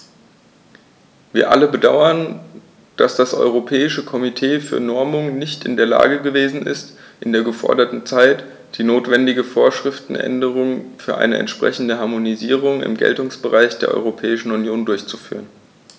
Wir alle bedauern, dass das Europäische Komitee für Normung nicht in der Lage gewesen ist, in der geforderten Zeit die notwendige Vorschriftenänderung für eine entsprechende Harmonisierung im Geltungsbereich der Europäischen Union durchzuführen.